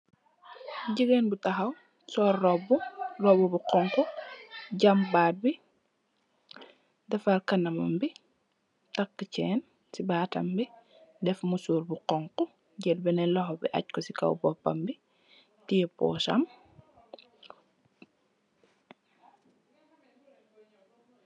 Jigeen bu taxaw sol robu robu bu xonxu jam batbi defarr kanamambi takk chen si batam bi deff mussor bu xonxu jel benen lohobi ajjko si kaw bopam bi tiyeh posam.